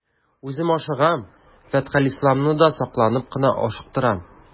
Үзем ашыгам, Фәтхелисламны да сакланып кына ашыктырам.